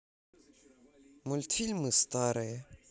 мультфильмы старые